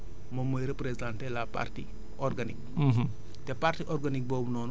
deux à trois pour cent moom mooy représenté la partie organique